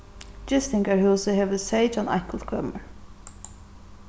gistingarhúsið hevur seytjan einkultkømur